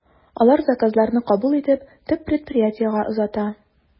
Алар заказларны кабул итеп, төп предприятиегә озата.